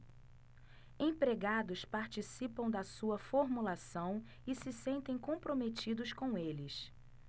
empregados participam da sua formulação e se sentem comprometidos com eles